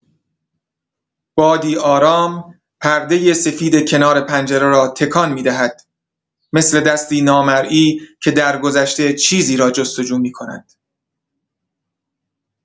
بادی آرام پردۀ سفید کنار پنجره را تکان می‌دهد، مثل دستی نامرئی که درگذشته چیزی را جست‌وجو می‌کند.